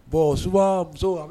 Bon suba muso